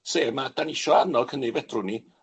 sef ma' 'dan ni isio annog hynny fedrwn ni